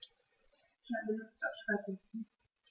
Ich habe Lust auf Spaghetti.